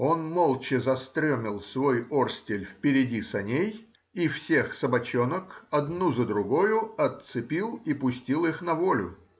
Он молча застремил свой орстель впереди саней и всех собачонок, одну за другою, отцепил и пустил их на волю.